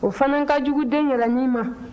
o fana ka jugu denyɛrɛnin ma